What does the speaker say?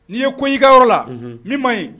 N'i ye ko ikayɔrɔ la min man ɲi